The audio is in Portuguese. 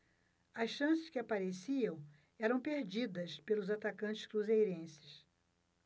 as chances que apareciam eram perdidas pelos atacantes cruzeirenses